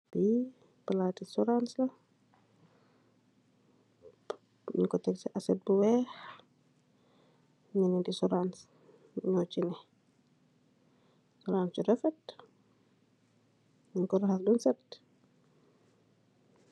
Lii palaati soraans la, nyunge ko tek si aset bu weekh, soraansi machi la, soraans yu rafet, nyunko rahas bem set.